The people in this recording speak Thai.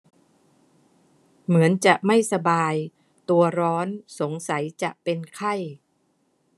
เหมือนจะไม่สบายตัวร้อนสงสัยจะเป็นไข้